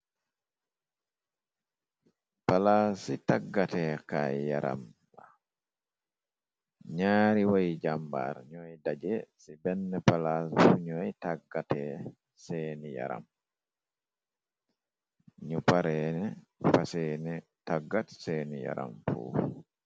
Palaas ci tàggate kaay yaram ba ñaari wey jàmbaar ñooy daje ci benn palaas bu ñooy tàggate seeni yaram ñu pareene fa seeni tàggat seeni yaram puu.